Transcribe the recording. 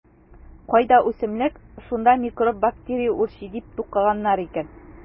Кайда үсемлек - шунда микроб-бактерия үрчи, - дип тукыганнар икән.